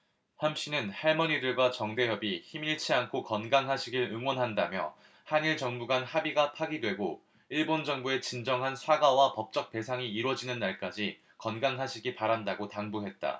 함씨는 할머니들과 정대협이 힘 잃지 않고 건강하시길 응원한다며 한일 정부 간 합의가 파기되고 일본 정부의 진정한 사과와 법적 배상이 이뤄지는 날까지 건강하시기 바란다고 당부했다